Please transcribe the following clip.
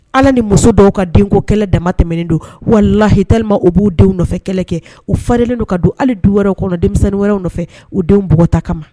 Ala ni muso dɔw ka denko kɛlɛ dama tɛmɛnen don, wallahi , tellement que u b'u denw nɔfɛ kɛlɛ kɛ u fariyalen don ka don hali dun wɛrɛw kɔnɔ denmisɛnnin wɛrɛw nɔfɛ u denw bugɔta kama.